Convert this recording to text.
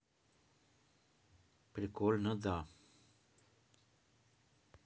прикольно да